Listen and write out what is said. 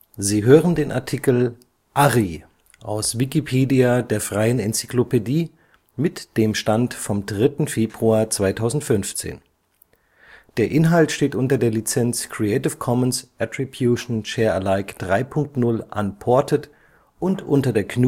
Sie hören den Artikel Arnold & Richter Cine Technik, aus Wikipedia, der freien Enzyklopädie. Mit dem Stand vom Der Inhalt steht unter der Lizenz Creative Commons Attribution Share Alike 3 Punkt 0 Unported und unter der GNU